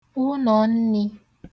ụnọ̀nnī